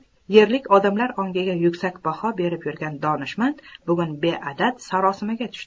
yerlik odamlar ongiga yuksak baho berib yurgan donishmand bugun beadad sarosimaga tushdi